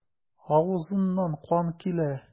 Авызыннан кан килә.